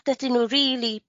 dydyn n'w rili